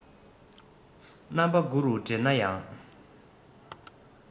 རྣམ པ དགུ རུ འདྲེན ན ཡང